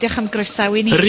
diolch am groesawu ni...